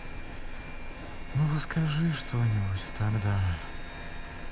ну расскажи что нибудь тогда